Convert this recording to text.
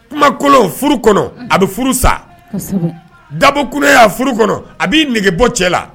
Kumakolon furu kɔnɔ a bɛ furu sa dabo kunna y'a furu kɔnɔ a b'i nɛgɛge bɔ cɛ la